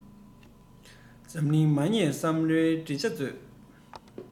འཛམ གླིང མ བསྙེལ བསམ བློའི བྲིས བྱ མཛོད